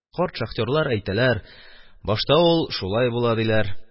Карт шахтёрлар әйтәләр, башта ул шулай була, диләр.